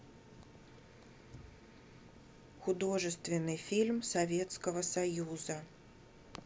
художественный фильм советского союза